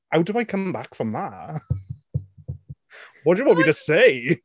"How do I come back from that? What do you want me to say?"